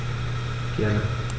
Gerne.